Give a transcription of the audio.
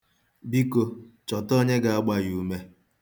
Biko, chọta onye ga-agba ya ume.